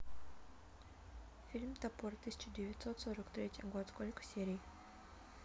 фильм топор тысяча девятьсот сорок третий год сколько серий